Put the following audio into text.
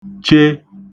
che